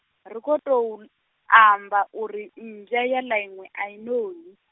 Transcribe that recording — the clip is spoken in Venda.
ri khou tou, amba uri mmbwa ya ḽa iṅwe a i noni.